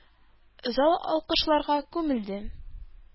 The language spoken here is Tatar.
Зал алкышларга күмелде.